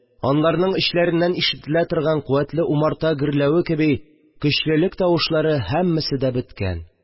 Аларның эчләреннән ишетелә торган куәтле умарта гөрләве кеби көчлелек тавышлары – һәммәсе дә беткән